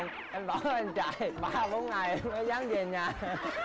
em bỏ em chạy ba bốn ngày mới dám về nhà